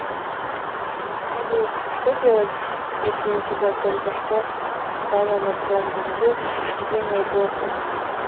салют что делать если у тебя только что вставил на пломбу в зуб и тебе неудобно